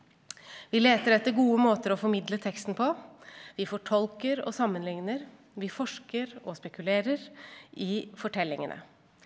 vi leter etter gode måter å formidle teksten på, vi fortolker og sammenligner, vi forsker og spekulerer i fortellingene.